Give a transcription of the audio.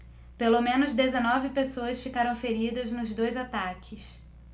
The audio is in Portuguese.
pelo menos dezenove pessoas ficaram feridas nos dois ataques